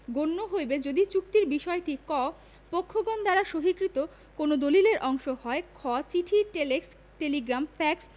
গণ্য হইবে যদি চুক্তির বিষয়টি ক পক্ষগণ দ্বারা সহিকৃত কোন দলিলের অংশ হয় খ চিঠি টেলেক্স টেলিগ্রাম ফ্যাক্স